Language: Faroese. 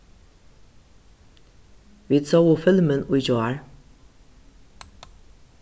vit sóu filmin í gjár